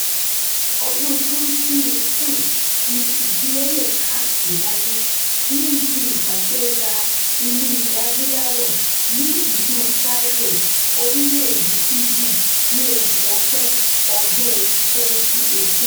Ọdún-un 2018 ni ìfilọ́lẹ̀ CAX wáyé ní ibi Ìpàtẹ Ọjà Inú Ilẹ̀-Adúláwọ̀ ní ìlúu Cairo, orílẹ̀-èdèe Egypt, nínú oṣù Ọ̀pẹ̀ ọdún-un 2018.